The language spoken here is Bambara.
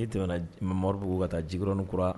Ni tɛmɛna ma moriribugu ka taa jikin kura